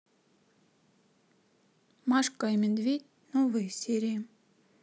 машка и медведь новые серии